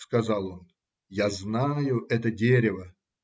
– сказал он, – я знаю это дерево.